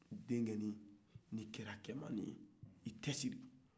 denkɛnin ni kɛra cɛmannin ye i cɛsiri